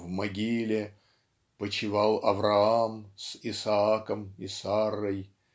В могиле Почивал Авраам с Исааком и Саррой.